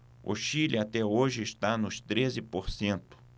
o chile até hoje está nos treze por cento